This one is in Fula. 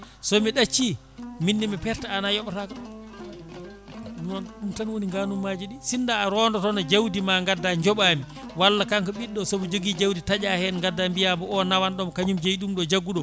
somi ɗacci minne mi perta an a yooɓata kam noon ɗum tan woni ganummaji ɗi sinno a rondotono jawdi ma gadda jooɓami walla kanko ɓiɗɗo somo jogui jawdi taaƴa hen gadda mbiya ko o nawanɗoma kañum jeeyi ɗum ɗo jaggu ɗo